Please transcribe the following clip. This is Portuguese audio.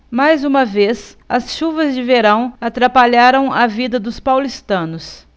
mais uma vez as chuvas de verão atrapalharam a vida dos paulistanos